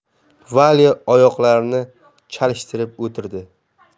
valya oyoqlarini chalishtirib o'tirdi